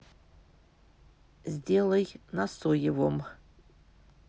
сделай на соевом